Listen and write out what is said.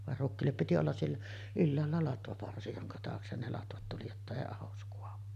vaan rukiille piti olla siellä ylhäällä latvaparsi jonka taakse ne latvat tuli jotta ei ahdos kaadu